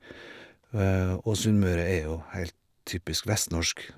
Og Sunnmøre er jo heilt typisk vestnorsk.